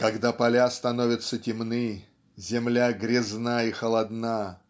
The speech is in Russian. когда поля становятся темны земля грязна и холодна